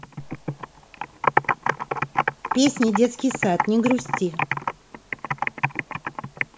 песня детский сад не грусти